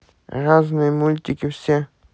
разные мультики все